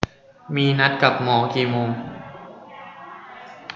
มีนัดกับหมอกี่โมง